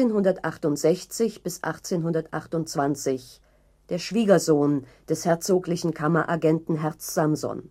1768 – 1828), der Schwiegersohn des herzoglichen Kammeragenten Herz Samson